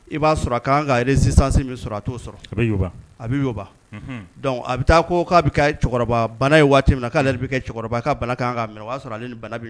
I'a sɔrɔ sisansi a bɛ taa ka waati mina